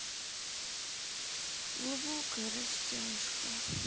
глубокая растяжка